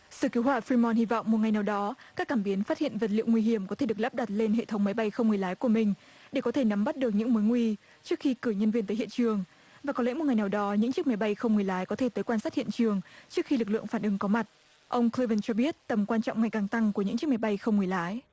xe cứu hỏa phi mon hy vọng một ngày nào đó các cảm biến phát hiện vật liệu nguy hiểm có thể được lắp đặt lên hệ thống máy bay không người lái của mình để có thể nắm bắt được những mối nguy trước khi cử nhân viên tới hiện trường và có lẽ một ngày nào đó những chiếc máy bay không người lái có thể tới quan sát hiện trường trước khi lực lượng phản ứng có mặt ông cờ li vừn cho biết tầm quan trọng ngày càng tăng của những chiếc máy bay không người lái